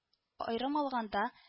Аерым алганда